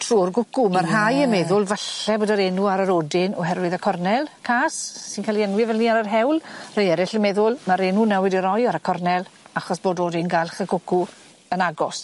Trw'r gwcw. Ie. Ma' rhai yn meddwl falle bod yr enw ar yr odyn oherwydd y cornel cas sy'n ca'l 'i enwi fel 'ny ar yr hewl rhei eryll yn meddwl ma'r enw nawr wedi roi ar y cornel achos bod odyn galch y cwcw yn agos.